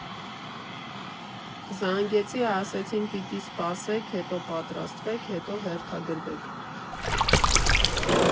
Զանգեցի, ասեցին՝ պիտի սպասեք, հետո պատրաստվեք, հետո հերթագրվեք…